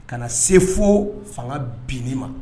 Ka na se fo fanga bin ma